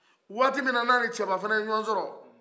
waati mina ni ani cɛba fana ye ɲɔgɔn sɔrɔ